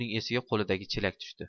uning esiga qo'lidagi chelak tushdi